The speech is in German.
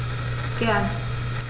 Gern.